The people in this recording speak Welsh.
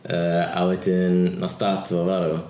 Yy a wedyn wnaeth dad fo farw.